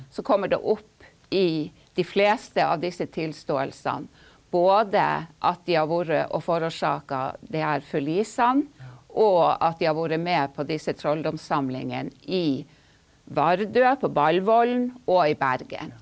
så kommer det opp i de fleste av disse tilståelsene både at de har vært og forårsaka de her forlisene og at de har vært med på disse trolldomssamlingene i Vardø på Ballvollen og i Bergen.